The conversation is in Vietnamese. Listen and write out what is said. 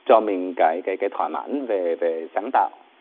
cho mình cái cái cái thỏa mãn về về sáng tạo